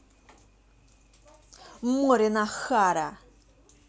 морин охара